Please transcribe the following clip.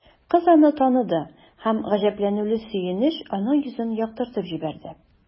Кыз аны таныды һәм гаҗәпләнүле сөенеч аның йөзен яктыртып җибәрде.